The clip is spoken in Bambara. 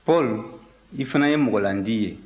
paul i fana ye mɔgɔlandi ye